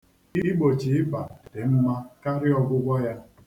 Igbochi ịba dị mma karịa ọgwụgwọ ya.